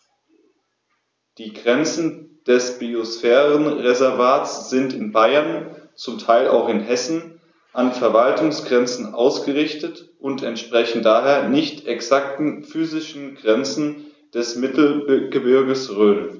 Die Grenzen des Biosphärenreservates sind in Bayern, zum Teil auch in Hessen, an Verwaltungsgrenzen ausgerichtet und entsprechen daher nicht exakten physischen Grenzen des Mittelgebirges Rhön.